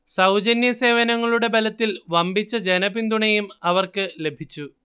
സൗജന്യ സേവനങ്ങളുടെ ബലത്തിൽ വമ്പിച്ച ജനപിന്തുണയും അവർക്ക് ലഭിച്ചു